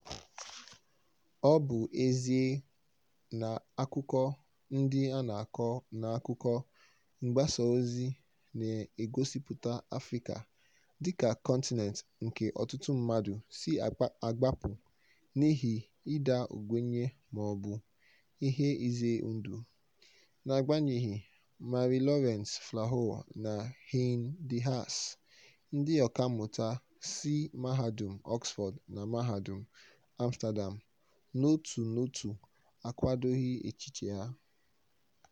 Ọ bụ ezie na akụkọ ndị a na-akọ n'akụkọ mgbasaozi na-egosipụta Afrịka dịka kọntinent nke ọtụtụ mmadụ si agbapụ n'ihi ịda ogbenye mọọbụ ihe ize ndụ. N'agbanyeghị, Marie-Laurence Flahaux na Hein De Haas, ndị ọkàmmụta si Mahadum Oxford na Mahadum Amsterdam, n'otu n'otu, akwadoghị echiche a.